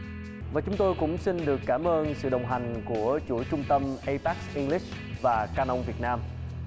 và chúng tôi cũng xin được cảm ơn sự đồng hành của chuỗi trung tâm ây pắc inh lích và ca nông việt nam